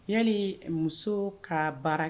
N y'li muso ka baara kɛ